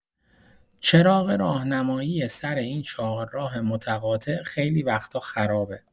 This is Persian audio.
چراغ راهنمایی سر این چهارراه متقاطع خیلی وقتا خرابه.